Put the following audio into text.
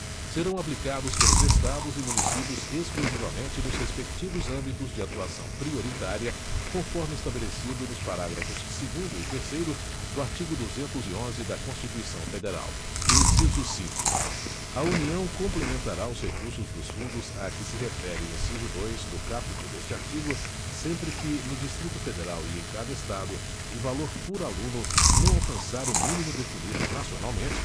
serão aplicados pelos estados e municípios exclusivamente nos respectivos âmbitos de atuação prioritária conforme estabelecido nos parágrafo segundo e terceiro do artigo duzentos e onze da constituição federal inciso cinco a união complementará os recursos dos fundos a que se refere o inciso dois do caput deste artigo sempre que no distrito federal e em cada estado o valor por aluno não alcançar o mínimo definido nacionalmente